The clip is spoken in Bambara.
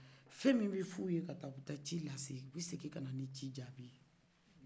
fɛmi b'o foye o bɛ taa ka ci lase o be segi kana ci jaabi di